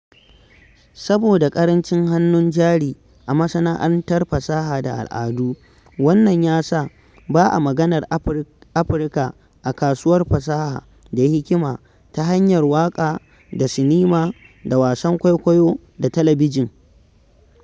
Saboda ƙarancin hannun jari a masana'antar fasaha da al'adu, wannan ya sa ba a maganar Afirka a kasuwar fasaha da hikima ta hanyar waƙa da sinima da wasan kwaikwayo da talabijin.